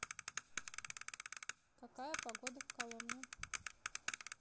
какая погода в коломне